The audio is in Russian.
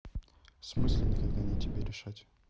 в смысле никогда не тебе решать